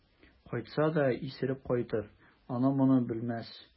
Кайтса да исереп кайтыр, аны-моны белмәс.